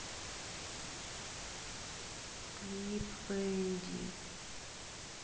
клип фенди